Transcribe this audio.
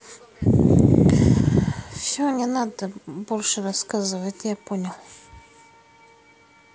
все не надо больше рассказывать я понял